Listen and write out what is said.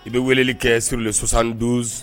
I bɛ weleli kɛ surli sɔsan dun